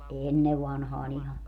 ennen vanhaan ihan